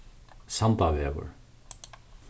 sandavegur